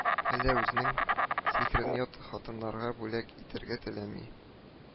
Әллә үзенең сихерен ят хатыннарга бүләк итәргә теләми